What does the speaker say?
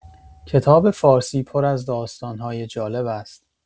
کتاب فارسی پر از داستان‌های جالب است.